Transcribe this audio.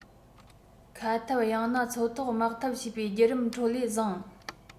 མཁའ འཐབ ཡང ན མཚོ ཐོག དམག འཐབ བྱེད པའི བརྒྱུད རིམ ཁྲོད ལས བཟང